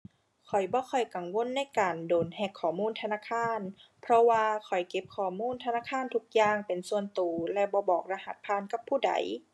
ข้อยบ่ค่อยกังวลในการโดนแฮ็กข้อมูลธนาคาร เพราะว่าข้อยเก็บข้อมูลธนาคารทุกอย่างเป็นส่วนตัวและบ่บอกรหัสผ่านกับผู้ใด